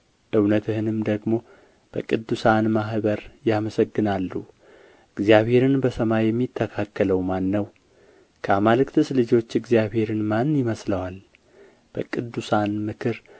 እውነትህንም ደግሞ በቅዱሳን ማኅበር ያመሰግናሉ እግዚአብሔርን በሰማይ የሚተካከለው ማን ነው ከአማልክትስ ልጆች እግዚአብሔርን ማን ይመስለዋል በቅዱሳን ምክር